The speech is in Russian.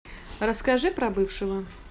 расскажи про бывшего